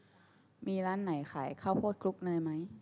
มีร้านไหนขายข้าวโพดคลุกเนยไหม